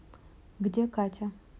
где катя